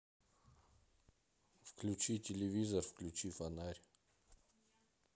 выключи телевизор включи фонарь